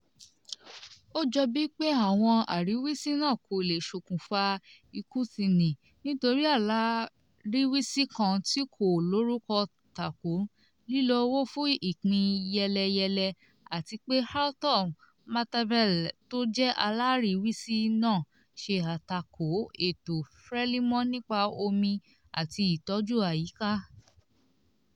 Ó jọ bíi pé àwọn àríwísí náà kò lè ṣòkùnfà ìkùnsínú , nítorí alariwisi kan ti kó lorukọ tako lílo owó fún ìpín-yẹ́lẹyẹ̀lẹ, àtí pé Artur Matavele tó jẹ́ aláríwísí náà ṣe àtakò ètò Frelimo nípa omi àti ìtọ́jú àyíká.